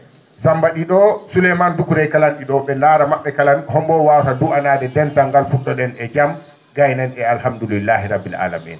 Samba ?i ?oo Souleymane Doukouré kala ?i ?oo ?e daara ma??e kala homboo waawata duwanaade dental ngal pu??o?en e jam gaynen e alhamdoulillahi rabbil ala mina